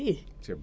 i